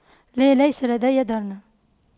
لا ليس لدي درن